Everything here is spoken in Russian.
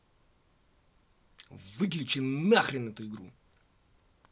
выключи нахрен эту игру